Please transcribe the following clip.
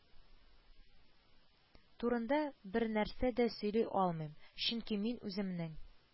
Турында бернәрсә дә сөйли алмыйм, чөнки мин үземнең